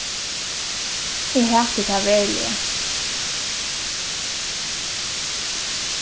eg hati tað veruliga